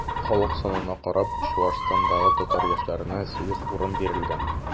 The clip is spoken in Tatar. Халык санына карап, Чуашстандагы татар яшьләренә 8 урын бирелгән.